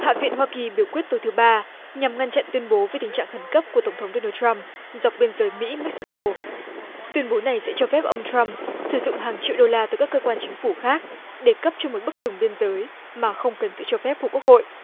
hạ viện hoa kỳ biểu quyết tối thứ ba nhằm ngăn chặn tuyên bố với tình trạng khẩn cấp của tổng thống đô nan trăm dọc biên giới mỹ mê xi cô tuyên bố này sẽ cho phép ông trăm sử dụng hàng triệu đô la từ các cơ quan chính phủ khác để cấp cho một bức tường biên giới mà không cần sự cho phép của quốc hội